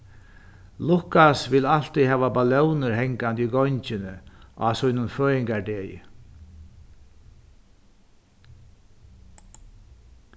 lukas vil altíð hava ballónir hangandi í gongini á sínum føðingardegi